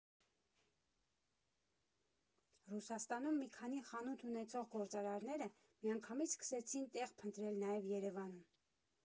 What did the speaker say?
Ռուսաստանում մի քանի խանութ ունեցող գործարարները միանգամից սկսեցին տեղ փնտրել նաև Երևանում։